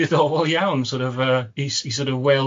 diddorol iawn, sor' of yy, i s- sor' of weld